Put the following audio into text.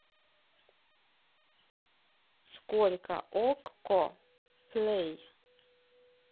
сколько okko плей